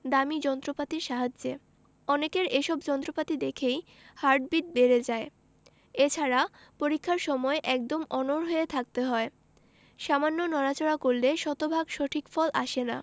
দামি যন্ত্রপাতির সাহায্যে অনেকের এসব যন্ত্রপাতি দেখেই হার্টবিট বেড়ে যায় এছাড়া পরীক্ষার সময় একদম অনড় হয়ে থাকতে হয় সামান্য নড়াচড়া করলে শতভাগ সঠিক ফল আসে না